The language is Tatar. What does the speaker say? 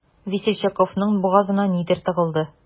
Весельчаковның бугазына нидер тыгылды.